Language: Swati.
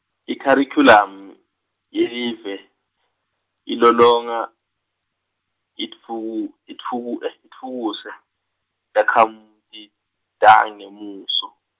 ikharikhulamu, yelive, ilolonga, itfuku- itfuku- itfutfukise, takhamuti, tangemuso.